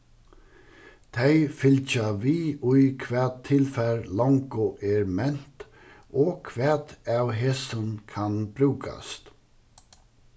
tey fylgja við í hvat tilfar longu er ment og hvat av hesum kann brúkast